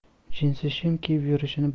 jinsi shim kiyib yurishini bilardimu